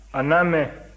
a n'a mɛn